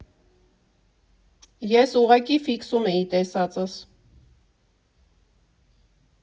Ես ուղղակի ֆիքսում էի տեսածս։